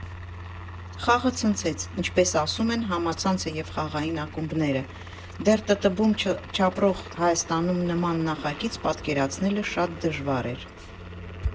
Խաղը ցնցեց, ինչպես ասում են, համացանցը և խաղային ակումբները՝ դեռ ՏՏ֊բում չապրող Հայաստանում նման նախագիծ պատկերացնելը շատ դժվար էր։